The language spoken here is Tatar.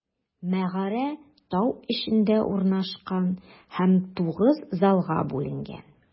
Мәгарә тау эчендә урнашкан һәм тугыз залга бүленгән.